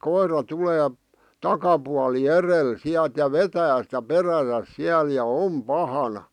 koira tulee takapuoli edellä sieltä ja vetää sitä perässään siellä ja on pahana